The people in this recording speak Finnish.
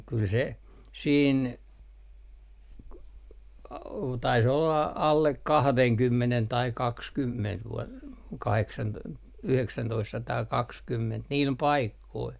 kyllä se siinä - taisi olla alle kahdenkymmenen tai kaksikymmentä -- yhdeksäntoistasataakaksikymmentä niillä paikoilla